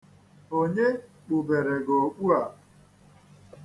Onye kpubere gị okpu a?